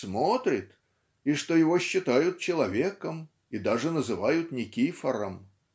смотрит и что его считают человеком и даже называют Никифором.